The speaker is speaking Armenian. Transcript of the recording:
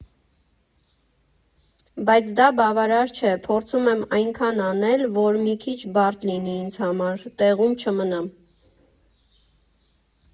Բայց դա բավարար չէ, փորձում եմ այնքան անել, որ մի քիչ բարդ լինի ինձ համար, տեղում չմնամ։